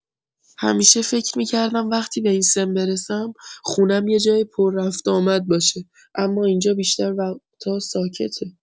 همیشه فکر می‌کردم وقتی به این سن برسم، خونه‌م یه جای پر رفت‌وآمد باشه، اما اینجا بیشتر وقتا ساکته.